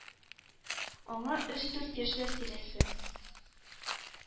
Аңа өч дүрт яшьләр тирәсе,